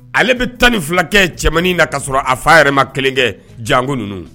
Ale bɛ12 kɛ cɛmanin na ka sɔrɔ a fa a yɛrɛ ma 1 kɛ jango ninnu!